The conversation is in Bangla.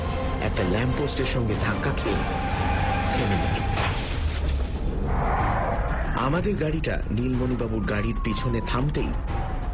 একটা ল্যাম্পপোস্টের সঙ্গে ধাক্কা খেয়ে থেমে গেল আমাদের গাড়িটা নীলমণিবাবুর গাড়ির পিছনে থামতেই